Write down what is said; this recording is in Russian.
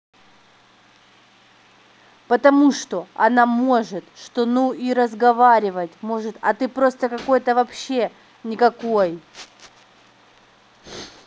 потому что она может что то ну и разговаривать может а ты просто какой то вообще никакой